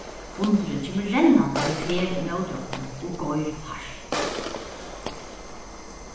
hundurin kemur rennandi við ferð ímóti okkum og goyr hart